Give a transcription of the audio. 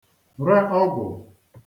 re ọgwụ̀